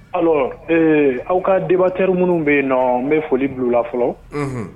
Ala aw ka denba teriri minnu bɛ yen nɔn n bɛ foli bulon la fɔlɔ